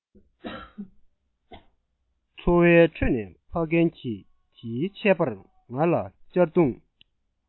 འཚོ བའི ཁྲོད ནས ཕ རྒན གྱིས དེའི ཆད པར ང ལ གཅར རྡུང